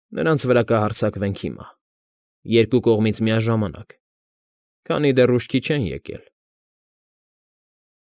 Նրանց վրա կհարձակվենք հիմա, երկու կողմից միաժամանակ, քանի դեռ ուշքի չեն եկել։